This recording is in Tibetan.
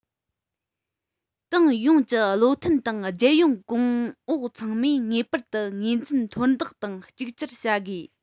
ཏང ཡོངས ཀྱི བློ མཐུན དང རྒྱལ ཡོངས གོང འོག ཚང མས ངེས པར དུ ངོས འཛིན མཐོར འདེགས དང གཅིག གྱུར བྱ དགོས